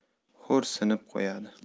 xo'rsinib qo'yadi